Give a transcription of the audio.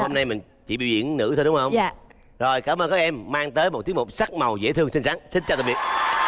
hôm nay mình chỉ biểu diễn nữ thôi đúng không dạ rồi cám ơn các em mang tới một tiết mục sắc màu dễ thương xinh xắn xin chào tạm biệt